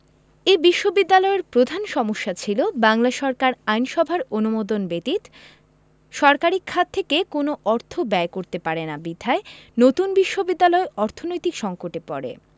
এ বিশ্ববিদ্যালয়ের প্রথম সমস্যা ছিল বাংলা সরকার আইনসভার অনুমোদন ব্যতীত সরকারি খাত থেকে কোন অর্থ ব্যয় করতে পারে না বিধায় নতুন বিশ্ববিদ্যালয় অর্থনৈতিক সংকটে পড়ে